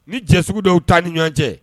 Ni jɛ sugu dɔw t'a ni ɲɔgɔn cɛ